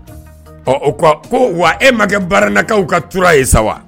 Ɔ o ko wa e ma kɛ baarainakaw ka tura ye sa wa